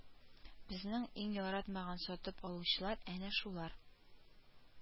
Безнең иң яратмаган сатып алучылар әнә шулар